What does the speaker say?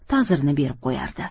ta'zirini berib qo'yardi